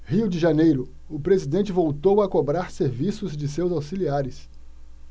rio de janeiro o presidente voltou a cobrar serviço de seus auxiliares